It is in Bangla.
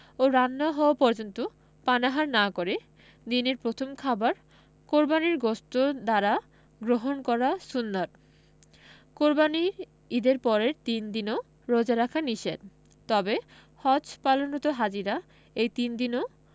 ও রান্না হওয়া পর্যন্ত পানাহার না করে দিনের প্রথম খাবার কোরবানির গোশত দ্বারা গ্রহণ করা সুন্নত কোরবানির ঈদের পরের তিন দিনও রোজা রাখা নিষেধ তবে হজ পালনরত হাজিরা এই তিন দিনও